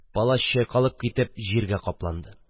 Палач чайкалып китеп җиргә капланды